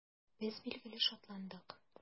Без, билгеле, шатландык.